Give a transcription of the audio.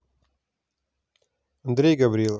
андрей гаврилов